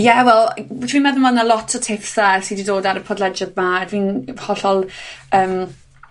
Ie, fel, w- dwi'n meddwl ma' 'na lot o tips dda sy sy 'di dod ar y podlediad 'ma, fi'n hollol yym